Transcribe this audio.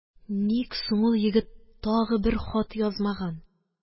Ник соң ул егет тагы бер хат язмаган